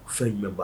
Fɛn bɛ ban